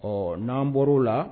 Ɔ n'an bɔra' o la